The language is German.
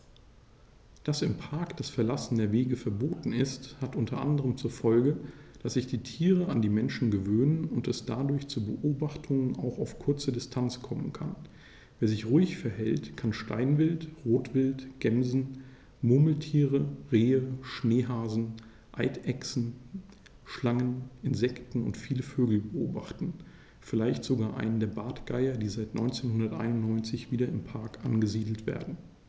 Dass im Park das Verlassen der Wege verboten ist, hat unter anderem zur Folge, dass sich die Tiere an die Menschen gewöhnen und es dadurch zu Beobachtungen auch auf kurze Distanz kommen kann. Wer sich ruhig verhält, kann Steinwild, Rotwild, Gämsen, Murmeltiere, Rehe, Schneehasen, Eidechsen, Schlangen, Insekten und viele Vögel beobachten, vielleicht sogar einen der Bartgeier, die seit 1991 wieder im Park angesiedelt werden.